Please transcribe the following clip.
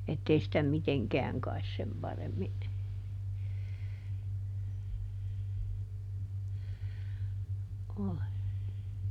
että ei sitä mitenkään kai sen paremmin ole